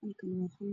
Halkaani waa qol